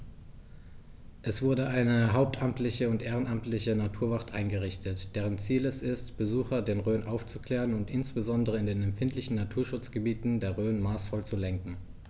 Es wurde eine hauptamtliche und ehrenamtliche Naturwacht eingerichtet, deren Ziel es ist, Besucher der Rhön aufzuklären und insbesondere in den empfindlichen Naturschutzgebieten der Rhön maßvoll zu lenken.